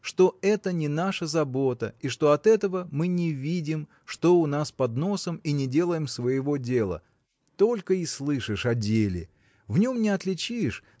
– что это не наша забота и что от этого мы не видим что у нас под носом и не делаем своего дела. только и слышишь о деле! В нем не отличишь